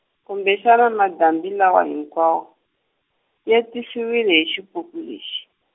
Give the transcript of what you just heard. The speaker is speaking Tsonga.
kumbexani madambi lawa hinkwawo, ya tisiwile hi xipuku lexi.